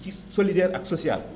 ci solidaire ak social